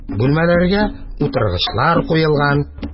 Бүлмәләргә утыргычлар куелган.